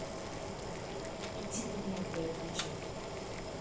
иди ты нахуй отвечать